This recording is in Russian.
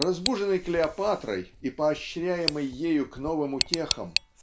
Разбуженный Клеопатрой и поощряемый ею к новым утехам